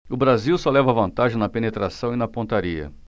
o brasil só leva vantagem na penetração e na pontaria